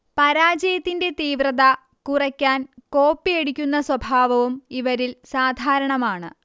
പരാജയത്തിന്റെ തീവ്രത കുറയ്ക്കാൻ കോപ്പിയടിക്കുന്ന സ്വഭാവവും ഇവരിൽ സാധാരണമാണ്